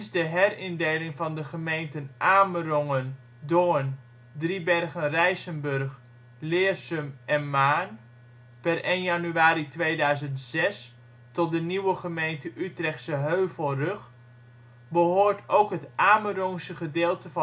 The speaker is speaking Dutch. de herindeling van de gemeenten Amerongen, Doorn, Driebergen-Rijsenburg, Leersum en Maarn per 1 januari 2006 tot de nieuwe gemeente Utrechtse Heuvelrug behoort ook het Amerongse gedeelte